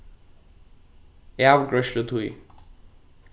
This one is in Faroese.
avgreiðslutíð